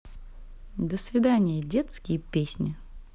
досвидание детские песни